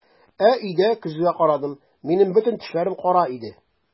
Ә өйдә көзгегә карадым - минем бөтен тешләрем кара иде!